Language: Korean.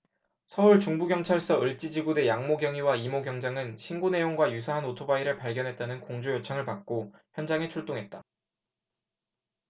서울중부경찰서 을지지구대 양모 경위와 이모 경장은 신고 내용과 유사한 오토바이를 발견했다는 공조 요청을 받고 현장에 출동했다